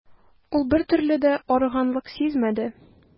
Ул бертөрле дә арыганлык сизмәде.